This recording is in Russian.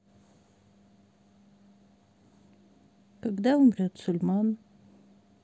когда умрет сульман